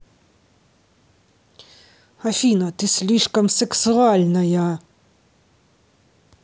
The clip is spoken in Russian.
афина ты слишком сексуальная